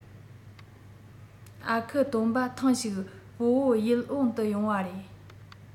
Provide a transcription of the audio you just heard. ཨ ཁུ སྟོན པ ཐེངས ཤིག སྤོ བོ ཡིད འོང དུ ཡོང བ རེད